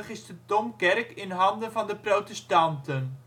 is de Domkerk in handen van de protestanten